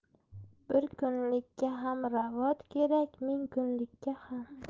bir kunlikka ham ravot kerak ming kunlikka ham